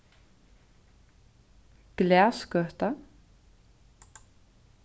glaðsgøta